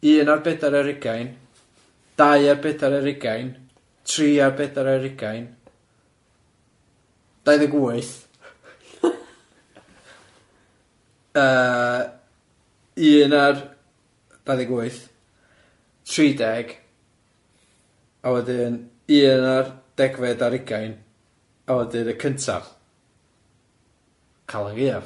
Un ar bedar ar ugain, dau ar bedar ar ugain, tri ar bedar ar ugain, dau ddeg wyth, yy un ar dau ddeg wyth, tri deg, a wedyn un ar degfed ar ugain, a wedyn y cyntaf, Calan Gaeaf.